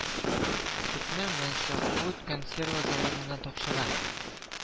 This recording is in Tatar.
Сөтне мәсәгуть консерва заводына тапшыра